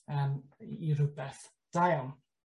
yym i i rwbeth. Da iawn.